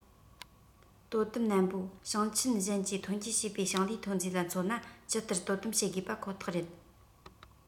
དོ དམ ནན པོ ཞིང ཆེན གཞན གྱི ཐོན སྐྱེད བྱས པའི ཞིང ལས ཐོན རྫས ལ མཚོན ན ཇི ལྟར དོ དམ བྱེད དགོས པ ཁོ ཐག རེད